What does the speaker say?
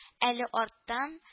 Әле арттан